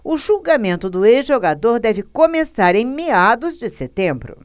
o julgamento do ex-jogador deve começar em meados de setembro